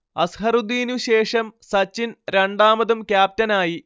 അസ്ഹറുദ്ദീനു ശേഷം സച്ചിൻ രണ്ടാമതും ക്യാപ്റ്റനായി